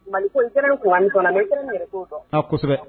Kosɛbɛ